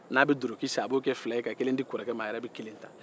n'a bɛ duloki san a b'o kɛ fila ye ka kelen di kɔrɔkɛ la a yɛrɛ be kelen ta